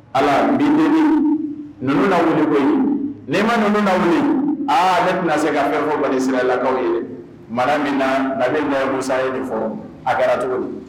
Ala bi numu koyi ne ma na min aa ne bɛna se k' an kɛ fɔbali sira lakaw ye mara min na bɛ musa ye nin fɔ a kɛra cogo don